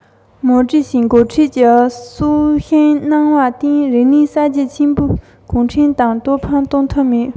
མི རབས གཉིས པར དོན དངོས ཐོག ང སྲོག ཤིང རེད